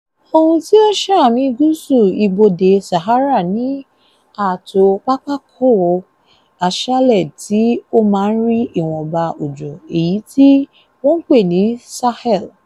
Ohun tí ó ṣàmì gúúsù ibodè Sahara ni ààtò pápáko aṣálẹ̀ tí ó máa ń rí ìwọ̀nba òjò èyí tí wọ́n ń pè ní Sahel.